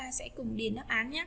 chúng ta sẽ cùng đi